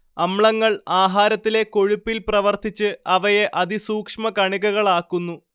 അമ്ലങ്ങൾ ആഹാരത്തിലെ കൊഴുപ്പിൽ പ്രവർത്തിച്ച് അവയെ അതിസൂക്ഷ്മകണികകളാക്കുന്നു